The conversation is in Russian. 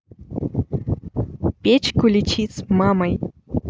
печь куличи с мамой